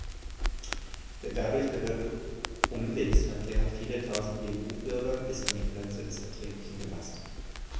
Der dadurch bewirkte Umwegsverkehr hat viele Tausend EU-Bürger bis an die Grenze des Erträglichen belastet.